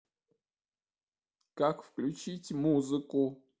как включить музыку